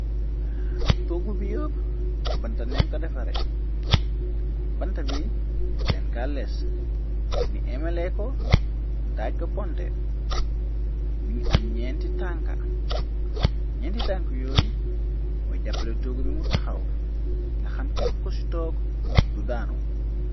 Toggu bi yopp banta neen ko defare banta bi den kaal lees ni emle ko daaj ko ponte ni ngi am ñeenti tanka ñenti tank yooy mooy jàppale togg bimu taxaw nga xam kepp ko ci toog du daanu.